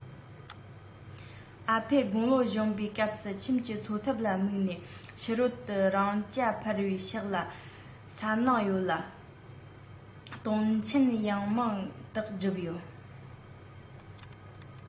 ཨ ཕས དགུང ལོ གཞོན པའི སྐབས སུ ཁྱིམ གྱི འཚོ ཐབས ལ དམིགས ནས ཕྱི རོལ དུ རང རྐྱ འཕེར བའི ཕྱག ལས གནང ཡོད ལ དོན ཆེན ཡང མང དག བསྒྲུབས ཡོད